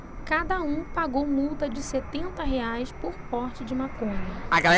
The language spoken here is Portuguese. cada um pagou multa de setenta reais por porte de maconha